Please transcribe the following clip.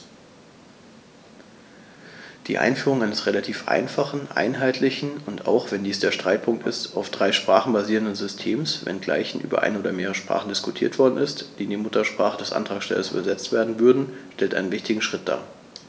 Die Einführung eines relativ einfachen, einheitlichen und - auch wenn dies der Streitpunkt ist - auf drei Sprachen basierenden Systems, wenngleich über eine oder mehrere Sprachen diskutiert worden ist, die in die Muttersprache des Antragstellers übersetzt werden würden, stellt einen wichtigen Schritt dar.